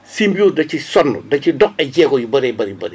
Symbiose da cee sonn da ci dox ay jéego yu bëree bëri bëri